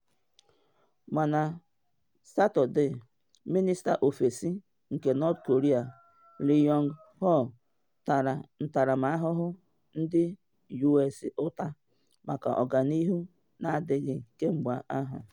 Mana na Satọde, Minista Ofesi nke North Korea Ri Yong-ho tara ntaramahụhụ ndị US ụta maka ọganihu na adịghị kemgbe ahụ.